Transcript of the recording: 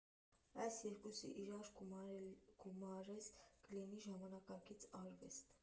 Այս երկուսը իրար գումարես՝ կլինի ժամանակակից արվեստ։